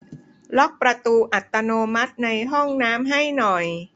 ล็อกประตูอัตโนมัติในห้องน้ำให้หน่อย